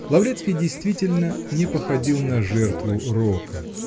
Лаврецкий действительно не походил на жертву рока.